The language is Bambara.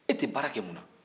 e tɛ baara kɛ mun na